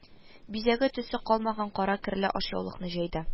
Бизәге, төсе калмаган кара керле ашъяулыкны җәйде